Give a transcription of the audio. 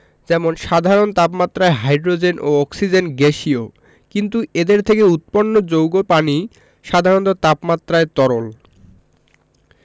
যেমন সাধারণ তাপমাত্রায় হাইড্রোজেন ও অক্সিজেন গ্যাসীয় কিন্তু এদের থেকে উৎপন্ন যৌগ পানি সাধারণ তাপমাত্রায় তরল